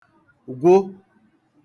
gwụ